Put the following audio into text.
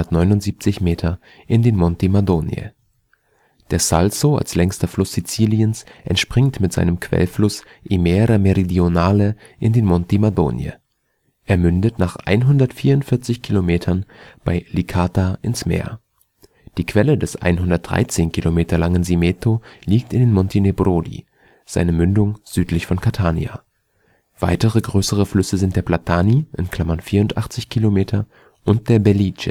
1979 m) in den Monti Madonie. Der Salso als längster Fluss Siziliens entspringt mit seinem Quellfluss Imera Meridionale in den Monti Madonie. Er mündet nach 144 km bei Licata ins Meer. Die Quelle des 113 km langen Simeto liegt in den Monti Nebrodi, seine Mündung südlich von Catania. Weitere größere Flüsse sind der Platani (84 km) und der Belice